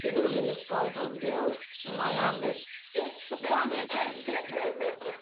Ti ddim yn myn' i osgoi hwn girls mae it's a comin'